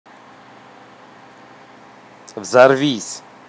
взорвись